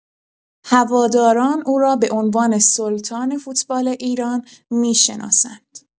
هواداران او را به عنوان «سلطان» فوتبال ایران می‌شناسند.